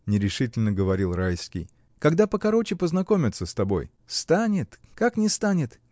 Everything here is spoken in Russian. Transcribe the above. — нерешительно говорил Райский, — когда покороче познакомится с тобой. — Станет, как не станет!